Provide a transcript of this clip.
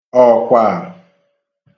ọ̀kwà